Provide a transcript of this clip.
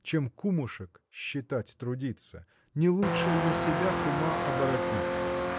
Чем кумушек считать трудиться, Не лучше ль на себя, кума, оборотиться?